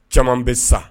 Caman bɛ sa